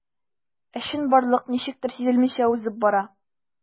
Ә чынбарлык ничектер сизелмичә узып бара.